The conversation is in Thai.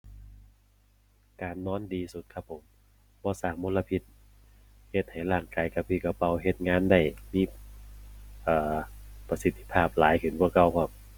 การนอนดีสุดครับผม บ่สร้างมลพิษ เฮ็ดให้ร่างกายกระปรี้กระเปร่า เฮ็ดงานได้มี เอ่อ ประสิทธิภาพหลายขึ้นกว่าเก่าพร้อม